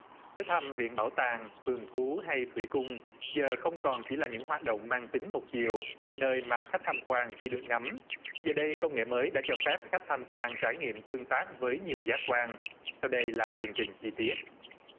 tới thăm viện bảo tàng vườn thú hay thủy cùng giờ không còn chỉ là những hoạt động mang tính một chiều nơi mà khách tham quan chỉ được ngắm giờ đây công nghệ mới đã cho phép khách tham quan trải nghiệm tương tác với nhiều giác quan sau đây là tường trình chi tiết